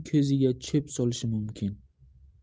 ko'ziga cho'p solishi mumkin